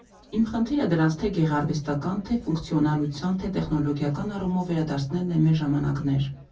Իմ խնդիրը դրանց թե՛ գեղարվեստական, թե՛ ֆունկցիոնալության, թե՛ տեխնոլոգիական առումով վերադարձնելն է մեր ժամանակներ։